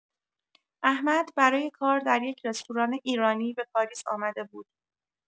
احمد برای کار در یک رستوران ایرانی به پاریس آمده بود.